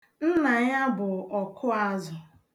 Nna ya bụ ọkụazụ.